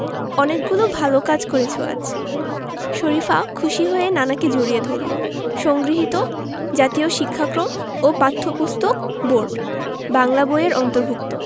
অনেকগুলো ভালো কাজ করেছ আজ শরিফা খুশি হয়ে নানাকে জড়িয়ে ধরল সংগৃহীত জাতীয় শিক্ষাক্রম ও পাঠ্যপুস্তক বোর্ড বাংলা বই এর অন্তর্ভুক্ত